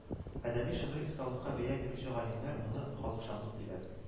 Әдәби, шигьри осталыкка бәя бирүче галимнәр моны халыкчанлык диләр